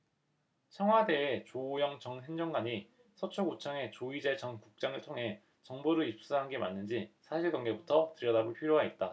청와대의 조오영 전 행정관이 서초구청의 조이제 전 국장을 통해 정보를 입수한 게 맞는지 사실관계부터 들여다볼 필요가 있다